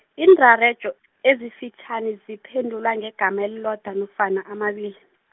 iinrarejo, ezifitjhani ziphendulwa ngegama elilodwa, nofana amabili.